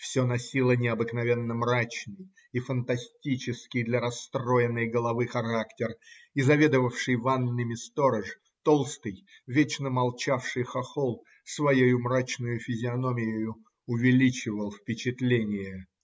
все носило необыкновенно мрачный и фантастический для расстроенной головы характер, и заведовавший ванными сторож, толстый, вечно молчавший хохол, своею мрачною физиономиею увеличивал впечатление.